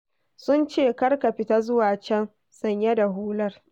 Sun ce, 'kar ka fita zuwa can sanye da hular.'